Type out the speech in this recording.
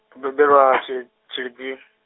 ngo bebelwa tshi Tshilidzi.